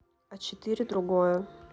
а четыре другое